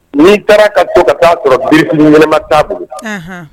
Nin taara ka to ka taaa sɔrɔ birik wɛrɛma t'a bolo